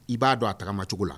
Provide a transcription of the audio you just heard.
I b'a dɔn a taga macogo la